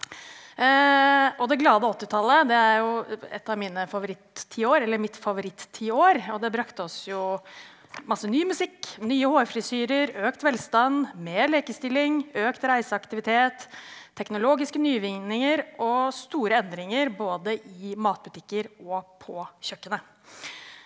og det glade åttitallet, det er jo et av mine favoritt-tiår, eller mitt favoritt-tiår, og det brakte oss jo masse ny musikk, nye hårfrisyrer, økt velstand, mer likestilling, økt reiseaktivitet, teknologiske nyvinninger, og store endringer både i matbutikker og på kjøkkenet.